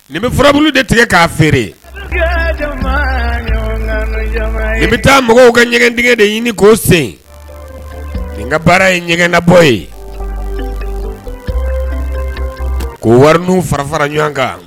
Nin bɛ furabu de tigɛ k'a feere nin bɛ taa mɔgɔw ka ɲɛgɛn dingɛ de ɲini k'o segin nin ka baara ye ɲɛgɛnnabɔ ye ko warininw fara fara ɲɔgɔn kan.